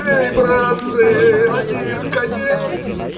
Бей, братцы, один конец!